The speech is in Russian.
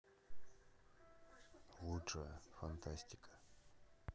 лучшая фантастика